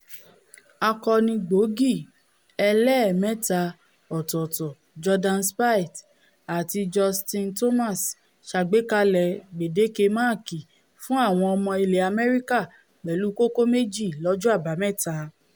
Akọni gbòógì ẹlẹ́ẹ̀mẹ́ta ọ̀tọ̀tọ̀ Jordan Spieth àti JustinnThomas ṣàgbékalẹ̀ gbèdéke máàki fún àwọn ọmọ ilẹ̀ Amẹ́ríkà pẹ̀lú kókó méjì lọ́jọ́ Àbámẹ́ta.